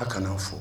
A' kanaaw fɔ